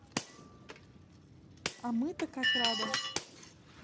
а мы то как рада